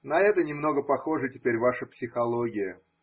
На это немного похожа теперь ваша психология.